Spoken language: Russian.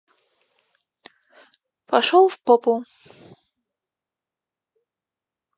пошел в попу